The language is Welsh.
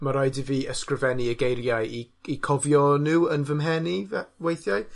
Ma' raid i fi ysgrifennu y geiriau i i cofio nw yn fy mhen i fe- weithiau.